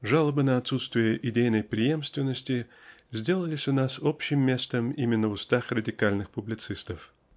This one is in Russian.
Жалобы на отсутствие "Идейной преемственности" сделались у нас общим местом именно в устах радикальных публицистов.